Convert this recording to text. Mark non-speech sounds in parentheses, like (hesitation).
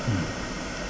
(hesitation) (noise)